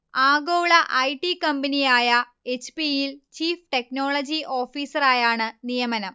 ആഗോള I. T. കമ്പനിയായ H. P. യിൽ ചീഫ് ടെക്നോളജി ഓഫീസറായാണ് നിയമനം